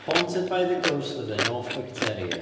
Haunted by the Ghost of their Norfolk Terrier.